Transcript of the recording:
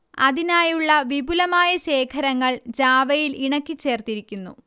അതിനായുള്ള വിപുലമായ ശേഖരങ്ങൾ ജാവയിൽ ഇണക്കിച്ചേർത്തിരിക്കുന്നു